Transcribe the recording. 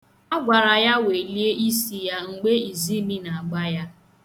A gwara ya welie isi ya mgbe iziimi na-agba ya.